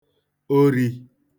ori